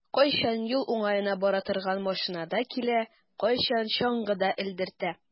Кайчан юл уңаена бара торган машинада килә, кайчан чаңгыда элдертә.